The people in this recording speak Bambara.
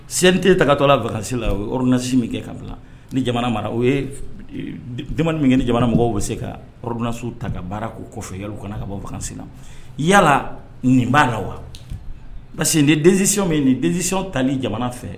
Sin tɛ ta katɔ la wkansilarunasi min kɛ ka ni jamana mara o ye jamana min kɛ jamana mɔgɔw bɛ se ka yɔrɔrunainasiw ta ka baara k' kɔ kɔfɛ kana ka bɔ bagangansi na yalala nin b'a la wa parce que nin densi nin densi tali jamana fɛ